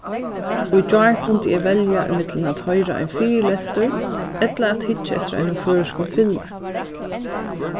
í gjár kundi eg velja ímillum at hoyra ein fyrilestur ella at hyggja eftir einum føroyskum filmi